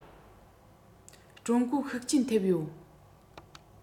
ཀྲུང གོའི ཤུགས རྐྱེན ཐེབས ཡོད